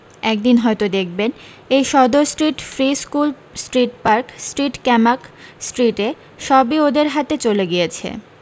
একদিন হয়তো দেখবেন এই Sudder street free school street park street Camac street এ সবি ওদের হাতে চলে গিয়েছে